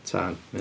Tân, ia.